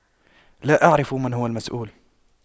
لا اعرف من هو المسؤول